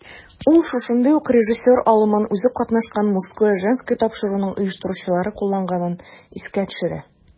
Ул шушындый ук режиссерлык алымын үзе катнашкан "Мужское/Женское" тапшыруының оештыручылары кулланганлыгын искә төшерә.